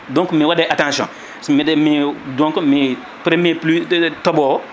donc mi waɗay attention sobiday miɗa donc mi premier pluis deuxiéme tooɓo